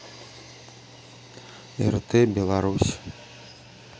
рт беларусь